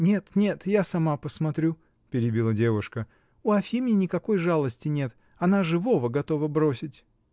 — Нет, нет, я сама посмотрю, — перебила девушка, — у Афимьи никакой жалости нет: она живого готова бросить.